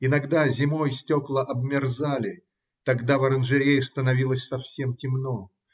Иногда, зимой, стекла обмерзали; тогда в оранжерее становилось совсем темно.